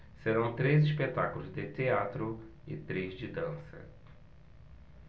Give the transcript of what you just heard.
serão três espetáculos de teatro e três de dança